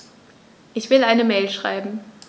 Ich will eine Mail schreiben.